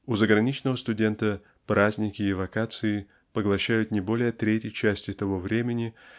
У заграничного студента праздники и вакации поглощают не более третьей части того времени